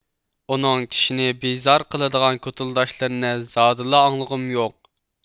ئۇنىڭ كىشىنى بىزار قىلىدىغان كوتۇلداشلىرىنى زادىلا ئاڭلىغۇم يوق